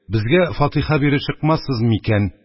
Безгә фатиха биреп чыкмассыз микән?